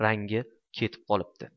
rangi ketib qoldi